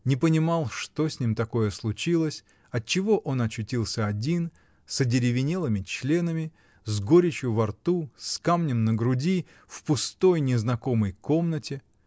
не понимал, что с ним такое случилось, отчего он очутился один, с одеревенелыми членами, с горечью во рту, с камнем на груди, в пустой незнакомой комнате